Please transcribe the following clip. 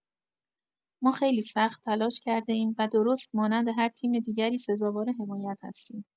ما خیلی سخت تلاش کرده‌ایم و درست مانند هر تیم دیگری سزاوار حمایت هستیم.